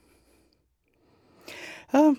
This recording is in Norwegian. Ja.